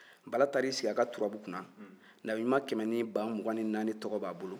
bala taar'i sigi a ka turabu kunna nabiɲuman kɛmɛ ni ba mugan ni naani tɔgɔ b'a bolo